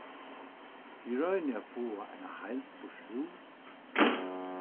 eg royni at fáa eina heild burturúr